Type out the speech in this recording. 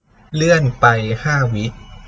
เลื่อนไปห้าวิ